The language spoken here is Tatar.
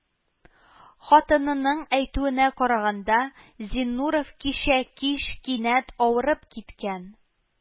Хатынының әйтүенә караганда, Зиннуров кичә кич кинәт авырып киткән